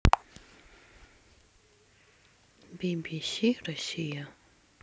би би си россия